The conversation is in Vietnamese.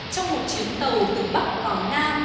trong một chuyến tàu từ bắc vào nam